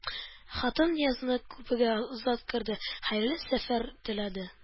Хатын Ниязны купега озата керде, хәерле сәфәр теләде